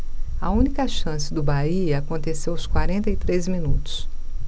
a única chance do bahia aconteceu aos quarenta e três minutos